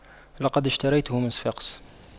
لقد اشتريته من صفاقس